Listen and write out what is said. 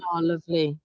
O lyfli.